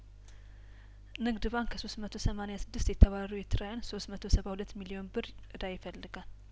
ንግድ ባንክ ከሶስት መቶ ሰማኒያ ስድስት የተባረሩ ኤርትራውያን ሶስት መቶ ሰባ ሁለት ሚሊዮን ብር እዳ ይፈልጋል